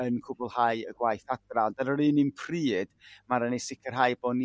yn cwblhau y gwaith adra ond ar yr run un pryd ma' raid ni sicrhau bo' ni